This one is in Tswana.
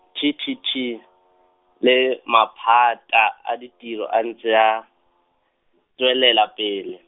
T T T, le maphata a ditiro a ntse a, tswelela pele.